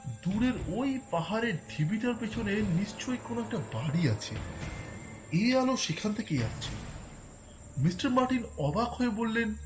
দুরের ওই পাহাড়ের ঢিবিটার পেছনে নিশ্চয়ই কোন একটা বাড়ি আছে এই আলো সেখানে থেকেই আসছে মিস্টার মার্টিন অবাক হয়ে বললেন